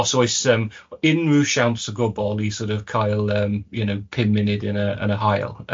Os oes yym unrhyw siawns o gwbl i sort of cael yym you know pum munud yn y yn y haul yy